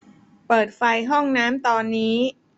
เปิดไฟห้องน้ำตอนนี้